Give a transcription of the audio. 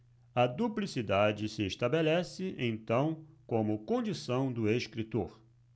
a duplicidade se estabelece então como condição do escritor